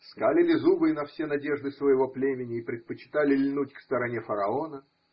Скалили зубы на все надежды своего племени и предпочитали льнуть к стороне фараона.